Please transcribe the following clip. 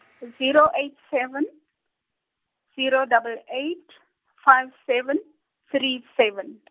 zero eight seven, zero double eight, five seven, three seven.